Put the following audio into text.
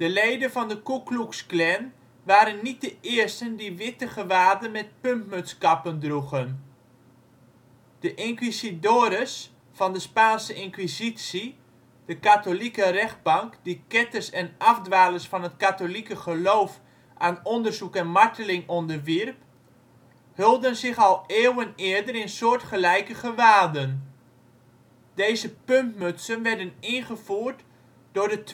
leden van de Ku Klux Klan waren niet de eersten die witte gewaden met puntmutskappen droegen. De inquisidores van de Spaanse Inquisitie, de katholieke rechtbank die ketters en afdwalers van het katholieke geloof aan onderzoek en marteling onderwierp, hulden zich al eeuwen eerder in soortgelijke gewaden. Deze puntmutsen werden ingevoerd door de